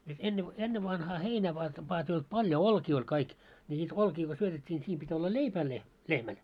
että - ennen vanhaan heinää vain vain että ei ollut paljon olkia oli kaikki niin niitä olkia kun syötettiin niin siinä piti olla leipää - lehmälle